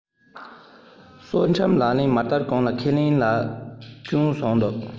སྲོག ཁྲིམས ལག ལེན མ བསྟར གོང ལ ཁས ལེན ལ སྐྱོན བྱུང འདུག